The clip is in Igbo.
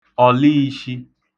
ọ̀liīshī